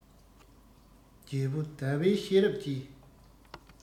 རྒྱལ བུ ཟླ བའི ཤེས རབ ཀྱིས